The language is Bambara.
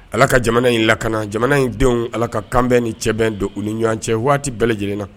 Ala ka jamana in lakana jamana in denw ala ka kanbɛn ni cɛbɛn don u ni ɲɔgɔnwan cɛ waati bɛɛ lajɛlenna